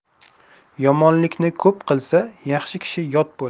yomonlikni ko'p qilsa yaxshi kishi yot bo'lar